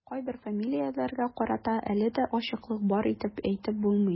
Кайбер фамилияләргә карата әле дә ачыклык бар дип әйтеп булмый.